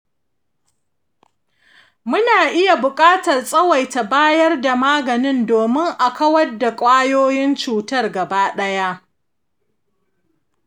muna iya buƙatar tsawaita bayar da maganin domin a kawar da ƙwayoyin cutar gaba ɗaya.